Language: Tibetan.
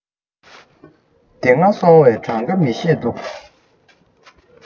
དེ སྔ སོང བའི གྲངས ཀ མི ཤེས འདུག